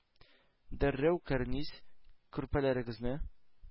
Дәррәү кәрзин, көрпәләрегезне